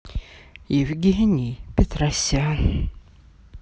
евгений петросян